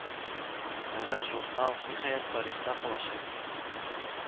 Кәгазь журнал, ниһаять, тарихта калачак